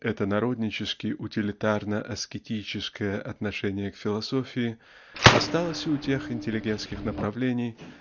Это народнически-утилитарно-аскетическое отношение к философии осталось и утех интеллигентских направлений